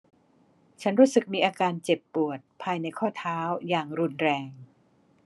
ฉันรู้สึกมีอาการเจ็บปวดภายในข้อเท้าอย่างรุนแรง